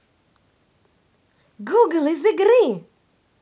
goody из игры